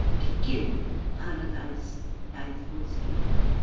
Y pigyn ar y daith daith coes ci.